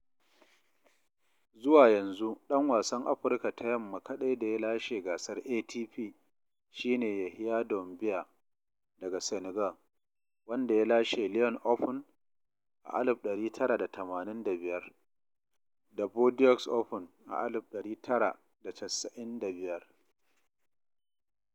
Zuwa yanzu, ɗan wasan Afrika ta Yamma kaɗai da ya lashe gasar ATP shine Yahiya Doumbia daga Senegal, wanda ya lashe Lyon Open a 1988 da Bordeaux Open a 1995.